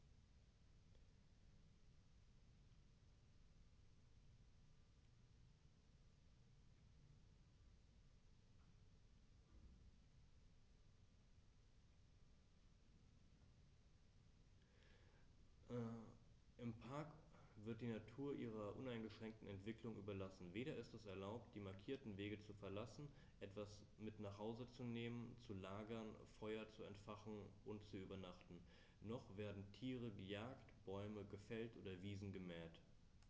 Im Park wird die Natur ihrer uneingeschränkten Entwicklung überlassen; weder ist es erlaubt, die markierten Wege zu verlassen, etwas mit nach Hause zu nehmen, zu lagern, Feuer zu entfachen und zu übernachten, noch werden Tiere gejagt, Bäume gefällt oder Wiesen gemäht.